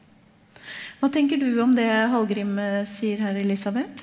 hva tenker du om det Halgrim sier her, Elisabeth?